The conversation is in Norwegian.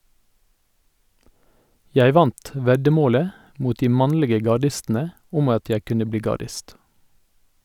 Jeg vant veddemålet mot de mannlige gardistene om at jeg kunne bli gardist.